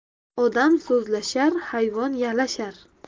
odam so'zlashar hayvon yalashar